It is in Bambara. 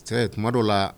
Ye kuma dɔ la